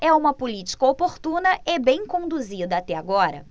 é uma política oportuna e bem conduzida até agora